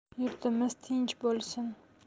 yurtimiz tinch bo'lsin